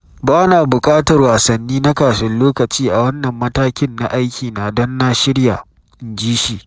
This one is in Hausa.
“Ba na bukatar wasanni na kafin lokaci a wannan matakin na aikina don na shirya,” inji shi.